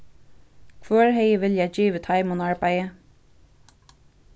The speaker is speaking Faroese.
hvør hevði viljað givið teimum arbeiði